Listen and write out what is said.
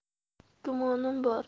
gumonim bor